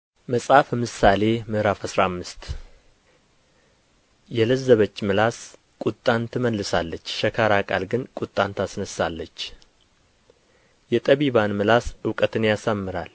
መጽሐፈ ምሳሌ ምዕራፍ አስራ አምስት የለዘበች መልስ ቍጣን ትመልሳለች ሸካራ ቃል ግን ቍጣን ታስነሣለች የጠቢባን ምላስ እውቀትን ያሳምራል